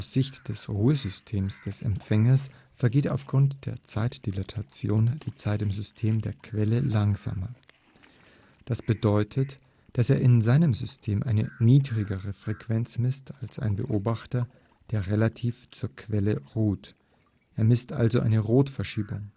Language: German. Sicht des Ruhesystems des Empfängers vergeht aufgrund der Zeitdilatation die Zeit im System der Quelle langsamer. Das bedeutet, dass er in seinem System eine niedrigere Frequenz misst als ein Beobachter, der relativ zur Quelle ruht, er misst also eine Rotverschiebung